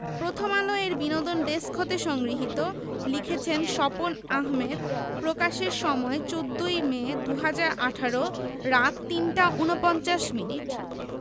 প্রথমআলো এর বিনোদন ডেস্ক হতে সংগৃহীত লিখেছেনঃ স্বপন আহমেদ প্রকাশের সময় ১৪ই মে ২০১৮ রাত ৩টা ৪৯ মিনিট